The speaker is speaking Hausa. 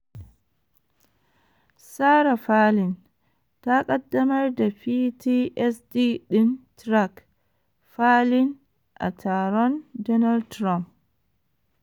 Sarah Palin Ta kaddamar da PTSD din Track Palin a taron Donald Trump